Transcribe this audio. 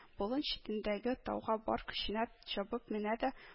Болын читендәге тауга бар көченә чабып менә дә